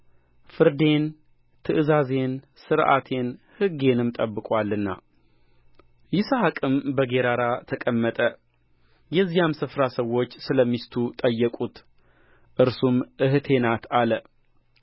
ፍርዴን ትእዛዜን ሥርዓቴን ሕጌንም ጠብቆአልና ይስሐቅም በጌራራ ተቀመጠ